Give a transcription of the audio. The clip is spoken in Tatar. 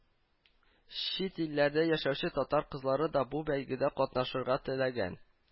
Чит илләрдә яшәүче татар кызлары да бу бәйгедә катнашырга теләгән